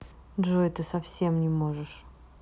джой ты совсем не можешь